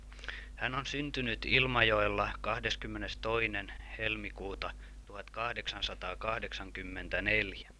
Hän on syntynyt Ilmajoella kahdeskymmenestoinen helmikuuta, tuhatkahdeksansataakahdeksankymmentäneljä.